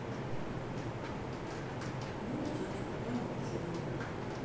мультики про обжору